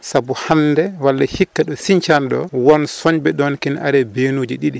saabu hande walla hikka ɗo Sinthiane ɗo won cooñɓeɗ ɗon kina ara e beenuji ɗiɗi